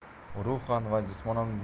ruhan va jismonan